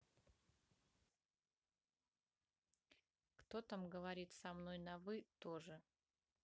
кто там говорит со мной на вы тоже